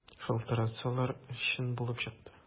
Шалтыратсалар, чын булып чыкты.